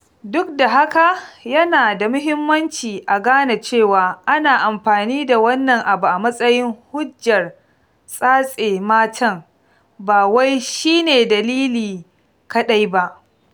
Duk da haka, yana da muhimmanci a gane cewa ana amfani da wannan abu a matsayin hujjar tatse matan, ba wai shi ne dalili kaɗai ba.